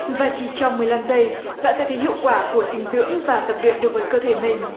và chỉ trong mười lăm giây bạn sẽ thấy hiệu quả của dinh dưỡng và tập luyện đối với cơ thể mình